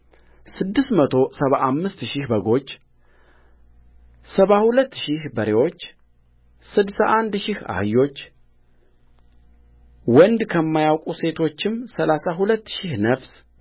ስድስት መቶ ሰባ አምስት ሺህ በጎችሰባ ሁለት ሺህ በሬዎች ስድሳ አንድ ሺህ አህዮችወንድ ከማያውቁ ሴቶችም ሠላሳ ሁለት ሺህ ነፍስ